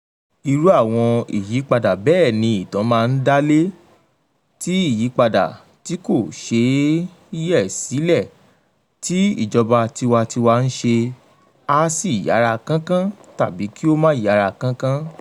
Irú àwọn ìyípadà bẹ́ẹ̀ ni ìtàn máa ń dá lé, tí ìyípadà tí kò ṣeé yẹ̀ sílẹ̀ tí ìjọba tiwa-n-tiwa ń ṣe á sì yára kánkán tàbí kí ó máa yára kánkán.